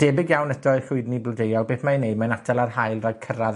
debyg iawn eto i llwydni blodeuo, beth mae e'n neud mae'n atal ar haul rhag cyrradd